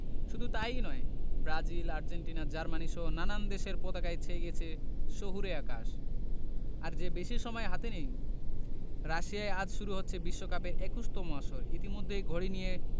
শুধু তা ই নয় ব্রাজিল আর্জেন্টিনা জার্মানিসহ নানান দেশের পতাকায় ছেয়ে গেছে শহুরে আকাশ আর যে বেশি সময় হাতে নেই রাশিয়ায় আজ শুরু হচ্ছে বিশ্বকাপের ২১তম আসর ইতিমধ্যেই ঘড়ি নিয়ে